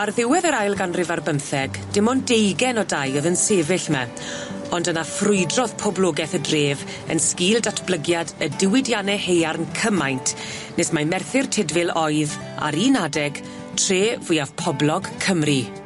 Ar ddiwedd yr ail ganrif ar bymtheg dim ond deugen o dai o'dd yn sefyll 'my ond yna ffrwydrodd poblogeth y dref yn sgil datblygiad y diwydianne haearn cymaint nes mai Merthyr Tydfil oedd, ar un adeg tre fwyaf poblog Cymru.